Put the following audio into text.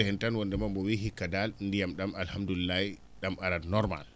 heen tan mbo wi hikka dal ndiyam ?am alhamdoulil lahi ?am arat normal